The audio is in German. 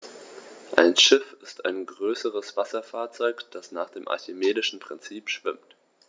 Ein Schiff ist ein größeres Wasserfahrzeug, das nach dem archimedischen Prinzip schwimmt.